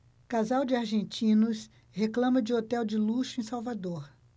casal de argentinos reclama de hotel de luxo em salvador